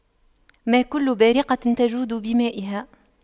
ما كل بارقة تجود بمائها